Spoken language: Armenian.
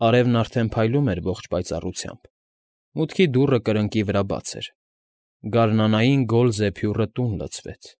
Արևն արդեն փայլում էր ողջ պայծառությամբ, մուտքի դուռը կրկնակի վրա բաց էր, գարնանային գոլ զեփյուռը տուն լցվեց։